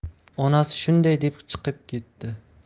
onasi shunday deb chiqib ketdi